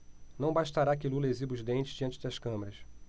não bastará que lula exiba os dentes diante das câmeras